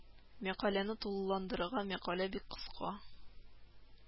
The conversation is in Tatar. Мәкаләне тулыландырырга мәкалә бик кыска